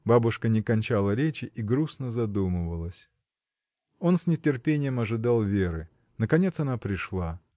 Бабушка не кончала речи и грустно задумывалась. Он с нетерпением ожидал Веры. Наконец она пришла.